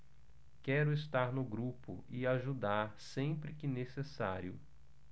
quero estar no grupo e ajudar sempre que necessário